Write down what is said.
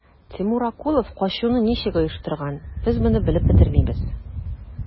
Тимур Акулов качуны ничек оештырган, без моны белеп бетермибез.